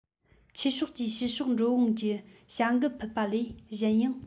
ཆོས ཕྱོགས ཀྱི ཕྱི ཕྱོགས འགྲོ འོང གི བྱ འགུལ ཕུད པ ལས གཞན ཡང